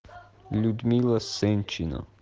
людмила сенчина